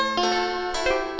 hạ